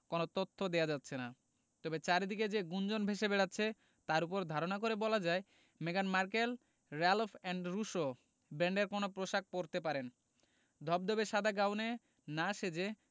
কোনো তথ্য দেওয়া যাচ্ছে না তবে চারদিকে যে গুঞ্জন ভেসে বেড়াচ্ছে তার ওপর ধারণা করে বলা যায় মেগান Markle Ralph and Russo ব্র্যান্ডের কোনো পোশাক পরতে পারেন ধবধবে সাদা গাউনে না সেজে